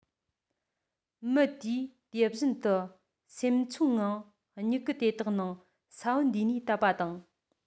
མི དེས དེ བཞིན དུ སེམས ཆུང ངང མྱུ གུ དེ དག ནང ས བོན བསྡུས ནས བཏབ པ དང